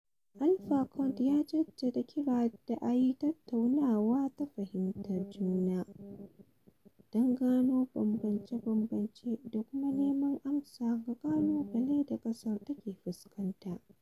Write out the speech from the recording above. Alpha conde ya jaddada kira da a yi tattaunawa ta fahimtar juna don gano bambamce-bambamce da kuma nemo amsa ga ƙalubalen da ƙasar take fuskanta.